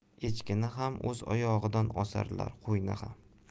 echkini ham o'z oyog'idan osarlar qo'yni ham